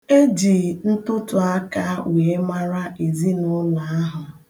E ji ntụtụaka wee mara ezinụụlọ ahụ.